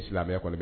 Ni silamɛ